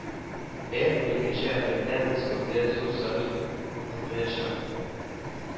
Ә уникенче апрельдә Мәскәүдә зур салют балкыячак